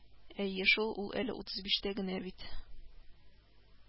Әйе шул, ул әле утыз биштә генә бит